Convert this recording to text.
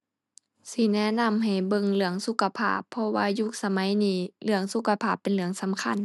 ที่แนะนำให้เบิ่งเรื่องสุขภาพ เพราะว่ายุคสมัยนี้เรื่องสุขภาพเป็นเรื่องสำคัญ